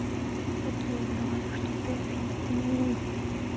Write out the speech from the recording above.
так я и говорю что ты афина ты не google